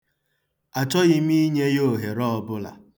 Achọghị m inye ya ohere ọbụla.